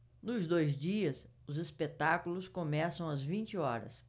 nos dois dias os espetáculos começam às vinte horas